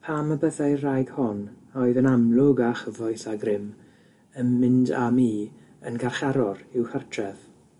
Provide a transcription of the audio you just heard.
Pam y byddai'r wraig hon a oedd yn amlwg â chyfoeth a grym yn mynd â mi yn garcharor i'w chartre?